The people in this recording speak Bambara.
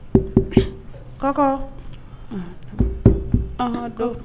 Kɔkɔ, ɔnhɔn, don.